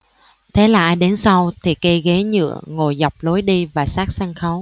thế là ai đến sau thì kê ghế nhựa ngồi dọc lối đi và sát sân khấu